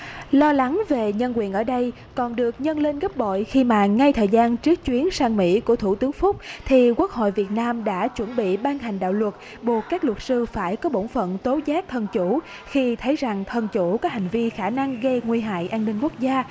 lo lắng về nhân quyền ở đây còn được nhân lên gấp bội khi mà ngay thời gian trước chuyến sang mỹ của thủ tướng phúc thì quốc hội việt nam đã chuẩn bị ban hành đạo luật buộc các luật sư phải có bổn phận tố giác thân chủ khi thấy rằng thân chủ có hành vi khả năng gây nguy hại an ninh quốc gia